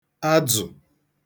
adzụ̀